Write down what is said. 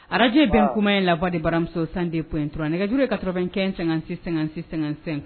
Araje bɛn kuma in labɔ de baramuso san de p dɔrɔn nɛgɛjurue kaorokɛ--sɛ--sɛ